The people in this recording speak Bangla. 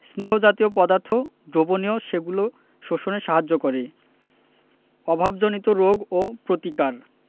স্নেহ জাতীয় পদার্থ দ্রবণীয় সেগুলো শোষণে সাহায্য করে অভাবজনিত রোগ ও প্রতিকার